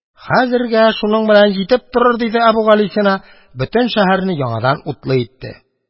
«хәзергә шуның белән җитеп торыр», – диде әбүгалисина, бөтен шәһәрне яңадан утлы итте.